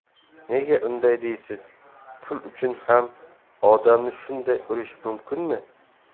nega unday deysiz pul uchun ham odamni shunday urish mumkinmi